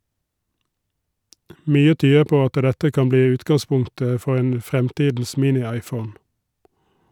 Mye tyder på at dette kan bli utgangspunktet for en fremtidens mini-iphone.